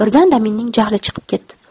birdan daminning jahli chiqib ketdi